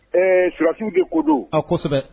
Ɛɛ suurfinw de ko don a kosɛbɛ